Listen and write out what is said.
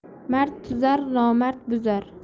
mard tuzar nomard buzar